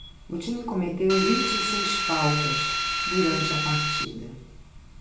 o time cometeu vinte e seis faltas durante a partida